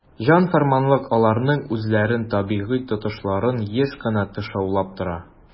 "җан-фәрманлык" аларның үзләрен табигый тотышларын еш кына тышаулап тора.